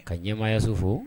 Ka ɲɛmaayaso fo